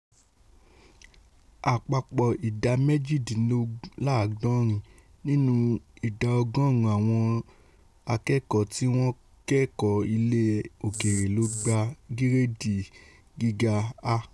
Àpapọ ìdá méjìdínláàdọrin nínú ìdá ọgọ́ọ̀rún àwọn akẹ́kọ̀ọ́ tí wọ́n kọ́ èdè ilẹ̀ òkèèrè lógba giredi Giga A.